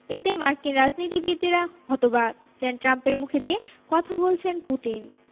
এতে মার্কিন রাজনীতিবিদেরা হতবাক যেন ট্রাম্পের মুখ দিয়ে কথা বলছেন পুতিন